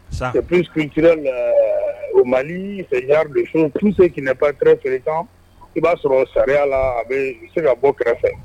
Sa c'est plus culturel au Mali ce genre de chose tout ce qui n'est pas très fréquent i b'a sɔrɔ charia la a be i be se ka bɔ kɛrɛfɛ